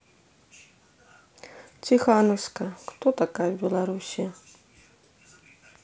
тихановская кто такая в белоруссии